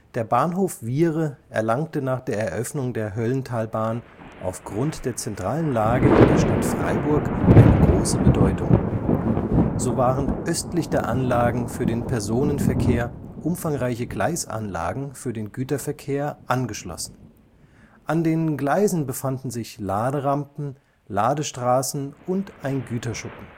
Der Bahnhof Wiehre erlangte nach der Eröffnung der Höllentalbahn aufgrund der zentralen Lage in der Stadt Freiburg eine große Bedeutung. So waren östlich der Anlagen für den Personenverkehr umfangreiche Gleisanlagen für den Güterverkehr angeschlossen. An den Gleisen befanden sich Laderampen, Ladestraßen und ein Güterschuppen